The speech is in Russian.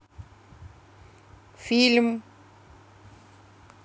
фильм